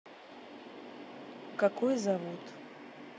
какой зовут